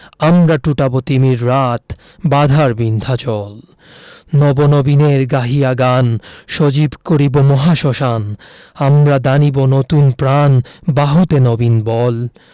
আমরা টুটাব তিমির রাত বাধার বিন্ধ্যাচল নব নবীনের গাহিয়া গান সজীব করিব মহাশ্মশান আমরা দানিব নতুন প্রাণ বাহুতে নবীন বল